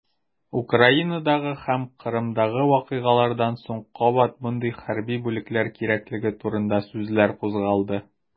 Украинадагы һәм Кырымдагы вакыйгалардан соң кабат мондый хәрби бүлекләр кирәклеге турында сүзләр кузгалды.